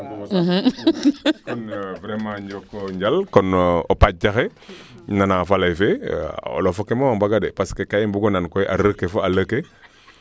ñakatang fo fasamb kon daal njoko njal kon a paca xe nana faley fee olof ake moom a mbaga de parce que koy kaa i mbugo na a R ke fo a L ke